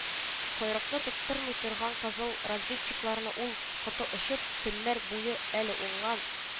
Койрыкны тоттырмый торган кызыл разведчикларны ул, коты очып, төннәр буе, әле уңнан